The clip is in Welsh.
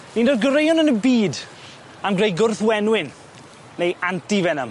Un o'r goreuon yn y byd am greu gwrthwenwyn, neu antivenom.